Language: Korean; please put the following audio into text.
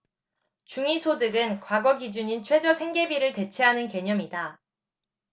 중위소득은 과거 기준인 최저생계비를 대체하는 개념이다